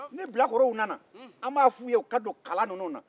ni bilakorow nana an b'a fɔ u ye u ka don kala ninnu na